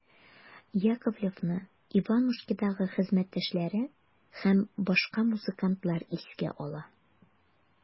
Яковлевны «Иванушки»дагы хезмәттәшләре һәм башка музыкантлар искә ала.